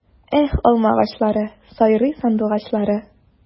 Эх, алмагачлары, сайрый сандугачлары!